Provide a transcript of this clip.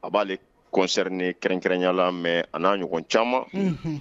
A b'aale kɔnɛri ni kɛrɛnkɛrɛnyala mɛ a'a ɲɔgɔn caman